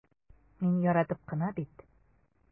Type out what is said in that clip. Мин яратып кына бит...